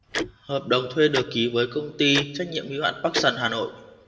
hợp đồng thuê được ký với cty trách nhiệm hữu hạn parkson hà nội